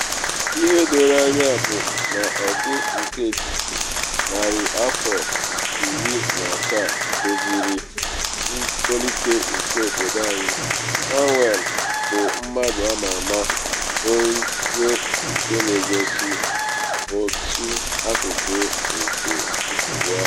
Ihe doro anya bụ na ọgụ nke etiti narị afọ 17 doziri ntolite nke obodo anyị, Cromwell bụ mmadụ ama ama onye nke na egosi otu akụkụ nke nkewa ahụ.